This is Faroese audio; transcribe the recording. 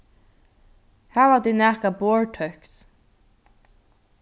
hava tit nakað borð tøkt